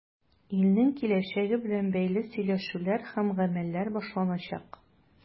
Илнең киләчәге белән бәйле сөйләшүләр һәм гамәлләр башланачак.